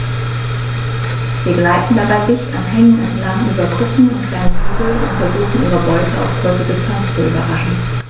Sie gleiten dabei dicht an Hängen entlang, über Kuppen und kleine Hügel und versuchen ihre Beute auf kurze Distanz zu überraschen.